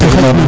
mete xaƴ na